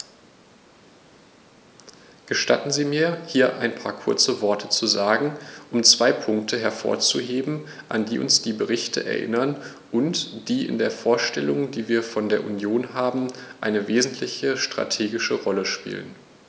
Gestatten Sie mir, hier ein paar kurze Worte zu sagen, um zwei Punkte hervorzuheben, an die uns diese Berichte erinnern und die in der Vorstellung, die wir von der Union haben, eine wesentliche strategische Rolle spielen.